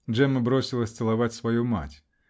) Джемма бросилась целовать свою мать.